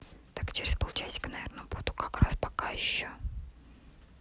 так через полчасика наверное буду как раз пока еще